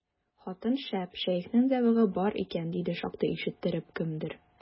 Хатын шәп, шәехнең зәвыгы бар икән, диде шактый ишеттереп кемдер.